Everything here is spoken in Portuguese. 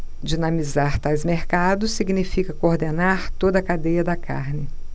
dinamizar tais mercados significa coordenar toda a cadeia da carne